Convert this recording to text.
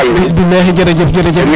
bilahi jerejef jerejef